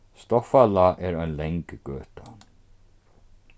stoffalág er ein lang gøta